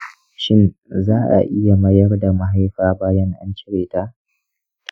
shin za a iya mayar da mahaifa bayan an cire ta?